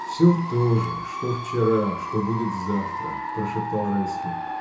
— Всё то же, что вчера, что будет завтра! — прошептал Райский.